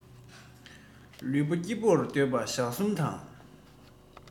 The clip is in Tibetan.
ལུས པོ སྐྱིད པོར སྡོད པ ཞག གསུམ དང